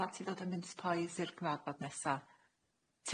Dyla ti ddod a mice pies i'r cyfarfod nesa.